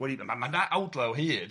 ...wedi ma' ma' na awdl o hyd,